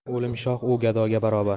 o'lim shoh u gadoga barobar